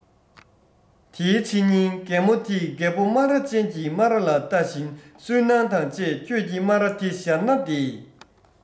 དེའི ཕྱི ཉིན རྒན མོ དེས རྒད པོ སྨ ར ཅན གྱི སྨ ར ལ ལྟ བཞིན སུན སྣང དང བཅས ཁྱོད ཀྱི སྨ ར དེ གཞར ན བདེ